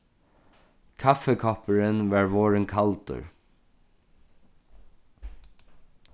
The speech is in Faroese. kaffikoppurin var vorðin kaldur